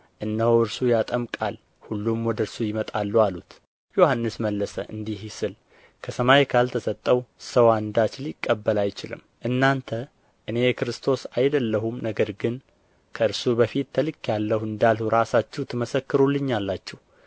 እነሆ እርሱ ያጠምቃል ሁሉም ወደ እርሱ ይመጣሉ አሉት ዮሐንስ መለሰ እንዲህ ሲል ከሰማይ ካልተሰጠው ሰው እንዳች ሊቀበል አይችልም እናንተ እኔ ክርስቶስ አይደለሁም ነገር ግን ከእርሱ በፊት ተልኬአለሁ እንዳልሁ ራሳችሁ ትመሰክሩልኛላችሁ